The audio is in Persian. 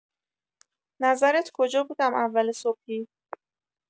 نظرت کجا بودم اول صبحی؟